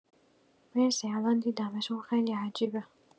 مرسی الان دیدمش اون خیلی عجیبه